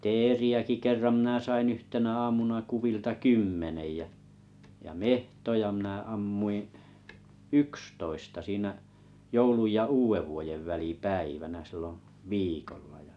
teeriäkin kerran minä sain yhtenä aamuna kuvilta kymmenen ja ja metsoja minä ammuin yksitoista siinä joulun ja uudenvuoden välipäivänä silloin viikolla ja